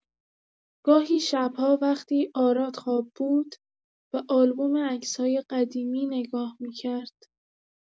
گاهی شب‌ها، وقتی آراد خواب بود، به آلبوم عکس‌های قدیمی نگاه می‌کرد.